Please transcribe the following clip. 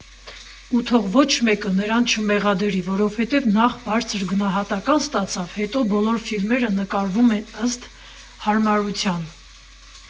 Ու թող ոչ մեկը նրան չմեղադրի, որովհետև նախ՝ բարձր գնահատական ստացավ, հետո՝ բոլոր ֆիլմերը նկարվում են ըստ հարմարության։